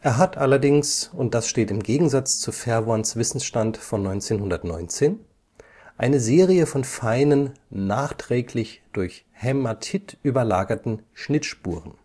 hat allerdings, und das steht im Gegensatz zu Verworns Wissensstand von 1919, „ eine Serie von feinen, nachträglich durch Hämatit überlagerten Schnittspuren